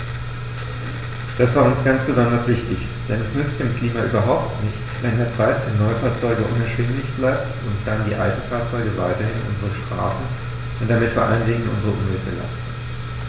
Das war uns ganz besonders wichtig, denn es nützt dem Klima überhaupt nichts, wenn der Preis für Neufahrzeuge unerschwinglich bleibt und dann die alten Fahrzeuge weiterhin unsere Straßen und damit vor allen Dingen unsere Umwelt belasten.